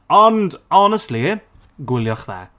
Ond honestly gwyliwch fe.